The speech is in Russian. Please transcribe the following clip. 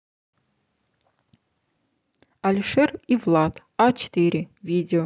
алишер и влад а четыре видео